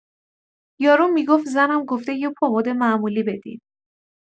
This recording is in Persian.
یارو میگف زنم گفته یه پماد معمولی بدین.